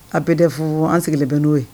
A bɛ de fo an sigilen n'o ye